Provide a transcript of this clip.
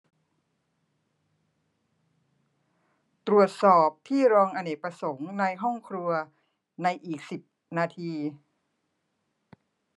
ตรวจสอบที่รองอเนกประสงค์ในห้องครัวในอีกสิบนาที